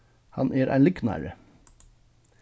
hann er ein lygnari